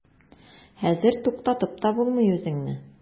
Хәзер туктатып та булмый үзеңне.